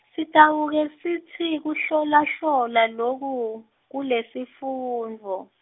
Sitawuke sitsi kuhlolahlola loku, kulesifundvo.